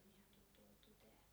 että on ihan tultu oltua täällä